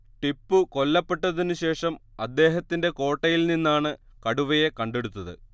ടിപ്പൂ കൊല്ലപ്പെട്ടതിനുശേഷം അദ്ദേഹത്തിന്റെ കോട്ടയിൽ നിന്നാണ് കടുവയെ കണ്ടെടുത്തത്